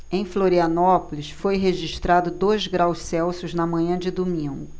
em florianópolis foi registrado dois graus celsius na manhã de domingo